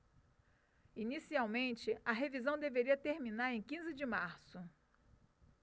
inicialmente a revisão deveria terminar em quinze de março